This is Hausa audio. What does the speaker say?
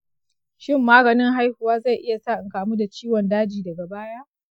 shin maganin haihuwa zai iya sa in kamu da ciwon daji daga baya?